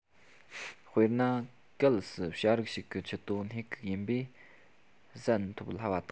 དཔེར ན གལ སྲིད བྱ རིགས ཤིག གི མཆུ ཏོ སྣེ གུག ཡིན པས ཟན ཐོབ སླ བ དང